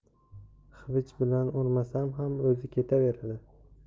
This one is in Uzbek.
xivich bilan urmasam ham o'zi ketaveradi